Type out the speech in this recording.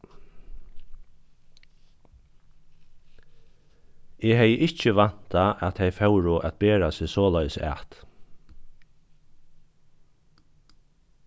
eg hevði ikki væntað at tey fóru at bera seg soleiðis at